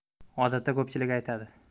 odatda ko'pchilik aytadi